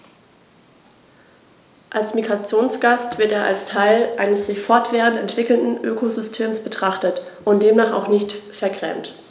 Als Migrationsgast wird er als Teil eines sich fortwährend entwickelnden Ökosystems betrachtet und demnach auch nicht vergrämt.